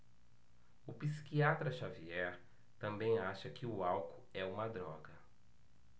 o psiquiatra dartiu xavier também acha que o álcool é uma droga